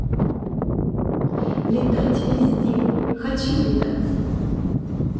летать везде хочу летать